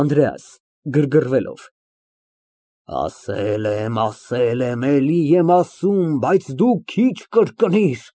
ԱՆԴՐԵԱՍ ֊ (Գրգռվելով) Ասել եմ, էլի եմ ասում, բայց դու քիչ կրկնիր։